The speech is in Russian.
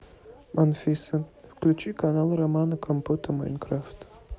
анфиса включи канал романа компота майнкрафт